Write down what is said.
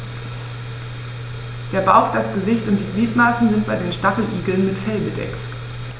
Der Bauch, das Gesicht und die Gliedmaßen sind bei den Stacheligeln mit Fell bedeckt.